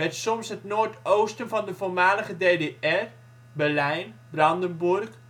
soms het Noord-Oosten van de voormalige DDR (Berlijn, Brandenburg